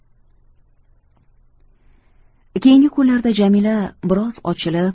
keyingi kunlarda jamila biroz ochilib